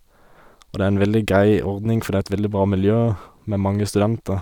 Og det er en veldig grei ordning, for det er et veldig bra miljø, med mange studenter.